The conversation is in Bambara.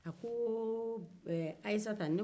a ko ayisata